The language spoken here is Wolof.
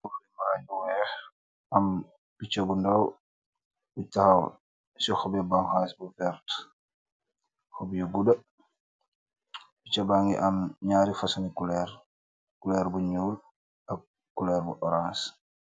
Picha bou ndow la mugui tahaw ci kaw bankas mugui am color bou nyull ak bou orance